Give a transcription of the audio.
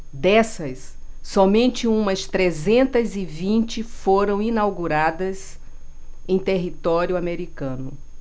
dessas somente umas trezentas e vinte foram inauguradas em território americano